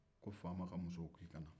ko faama ka musow ko k'i ka na